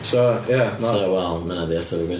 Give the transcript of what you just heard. So ia... So waw ma' hynna 'di ateb y gwestiwn...